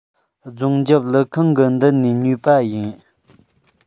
རྫོང རྒྱབ ཀླུ ཁང གི མདུན ནས ཉོས པ ཡིན